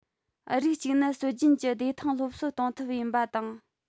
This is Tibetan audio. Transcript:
རིགས གཅིག ནི སྲོལ རྒྱུན གྱི བདེ ཐང སློབ གསོ གཏོང ཐབས ཡིན པ དང